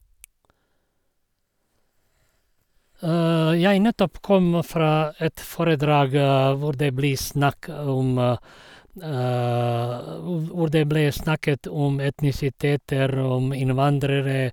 Jeg nettopp kom fra et foredrag hvor det blir snakk om ov hvor det ble snakket om etnisiteter, om innvandrere...